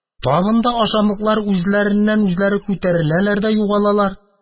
Табында ашамлыклар үзләреннән-үзләре күтәреләләр дә югалалар.